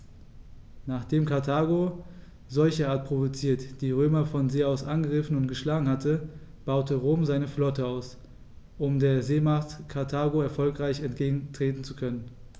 Nachdem Karthago, solcherart provoziert, die Römer von See aus angegriffen und geschlagen hatte, baute Rom seine Flotte aus, um der Seemacht Karthago erfolgreich entgegentreten zu können.